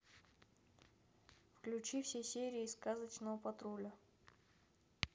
включи все серии сказочного патруля